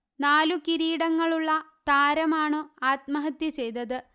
നാലു കിരീടങ്ങളുള്ള താരമാണു ആത്മഹത്യ ചെയ്തത്